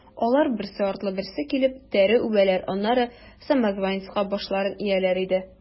Алар, берсе артлы берсе килеп, тәре үбәләр, аннары самозванецка башларын ияләр иде.